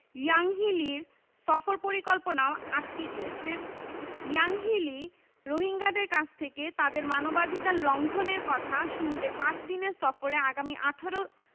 Yanghee লির সফর পরিকল্পনাও আটকে দিয়েছে ইয়াংহি লি রোহিঙ্গাদের কাছ থেকে তাদের মানবাধিকার লঙ্ঘনের কথা শুনতে পাঁচ দিনের সফরে আগামী ১৮